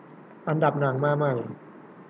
อันดับหนังมาใหม่